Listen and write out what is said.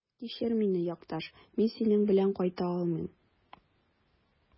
Кичер мине, якташ, мин синең белән кайта алмыйм.